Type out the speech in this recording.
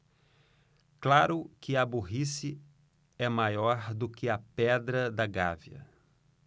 claro que a burrice é maior do que a pedra da gávea